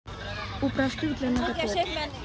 у простых для ноготок